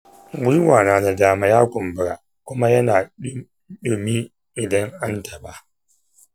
gwiwa na na dama ya kumbura kuma yana ɗumi idan an taɓa.